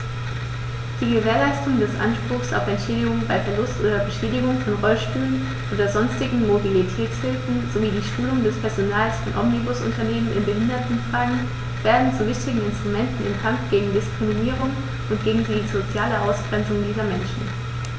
Die Gewährleistung des Anspruchs auf Entschädigung bei Verlust oder Beschädigung von Rollstühlen oder sonstigen Mobilitätshilfen sowie die Schulung des Personals von Omnibusunternehmen in Behindertenfragen werden zu wichtigen Instrumenten im Kampf gegen Diskriminierung und gegen die soziale Ausgrenzung dieser Menschen.